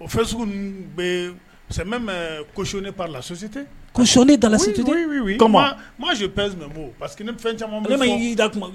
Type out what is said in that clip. O fɛn sugu bɛ sɛmɛ mɛ kos ne palasositesɔn ne dalalasi maasi p parce queseke ni fɛn caman ne ma da